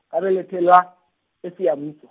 ngabelethelwa, eSiyabuswa.